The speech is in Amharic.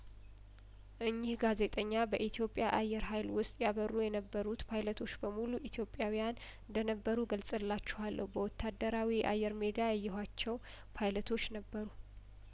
እኚህ ጋዜጠኛ በኢትዮጵያ አየር ሀይል ውስጥ ያበሩ የነበሩት ፓይለቶች በሙሉ ኢትዮጵያዊያን እንደነበሩ እገልጽላችኋለሁ በወታደራዊ የአየር ሜዳ ያየኋቸው ፓይለቶች ነበሩ